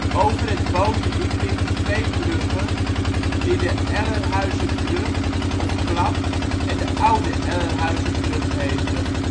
Over het Boterdiep liggen twee bruggen die de Ellerhuizerbrug (of - klap) en de Oude Ellerhuizerbrug heten